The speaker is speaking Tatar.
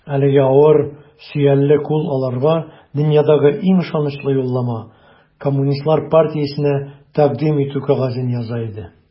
Әлеге авыр, сөялле кул аларга дөньядагы иң ышанычлы юллама - Коммунистлар партиясенә тәкъдим итү кәгазен яза иде.